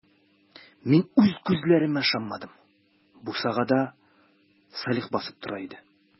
Мин үз күзләремә ышанмадым - бусагада Салих басып тора иде.